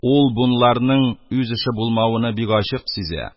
Ул бунларның «үз эше» булмавыны бик ачык сизә,